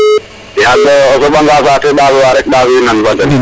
yag o soɓa nga saate fa ɗaas wa rek ɗaaswi nan fa den